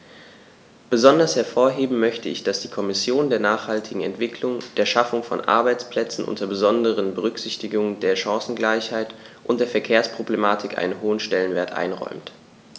Besonders hervorheben möchte ich, dass die Kommission der nachhaltigen Entwicklung, der Schaffung von Arbeitsplätzen unter besonderer Berücksichtigung der Chancengleichheit und der Verkehrsproblematik einen hohen Stellenwert einräumt.